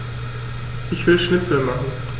Ich will Schnitzel machen.